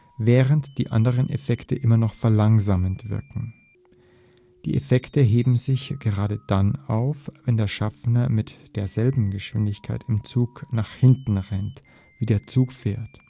während die anderen Effekte immer noch „ verlangsamend “wirken. Die Effekte heben sich gerade dann auf, wenn der Schaffner mit derselben Geschwindigkeit im Zug nach hinten rennt, wie der Zug fährt